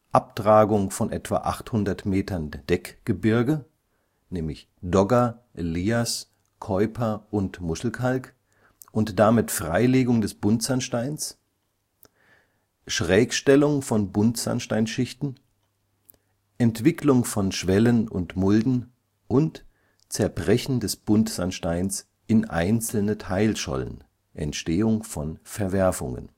Abtragung von etwa 800 Metern Deckgebirge (Dogger, Lias, Keuper, Muschelkalk) und damit Freilegung des Buntsandsteins Schrägstellung der Buntsandsteinschichten Entwicklung von Schwellen und Mulden Zerbrechen des Buntsandsteins in einzelne Teilschollen; Entstehung von Verwerfungen